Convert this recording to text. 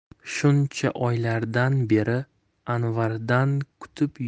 shuncha oylardan beri anvardan kutib